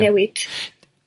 newid.